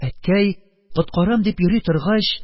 Әткәй коткарам дип йөри торгач,